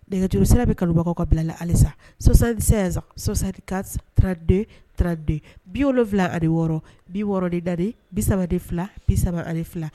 Nɛgɛjuru sira bɛ kanubagaw ka bila la ali sa 76 64 32 32